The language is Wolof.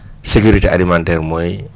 sécurité alimentaire mooy